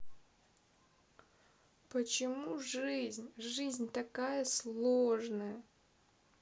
почему жизнь жизнь такая сложная